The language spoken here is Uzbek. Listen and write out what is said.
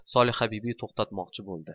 solihabibi to'xtatmoqchi bo'ldi